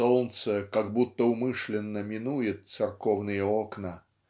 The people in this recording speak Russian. солнце как будто умышленно минует церковные окна.